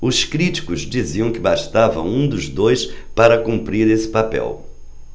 os críticos diziam que bastava um dos dois para cumprir esse papel